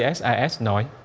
ét ai ét nói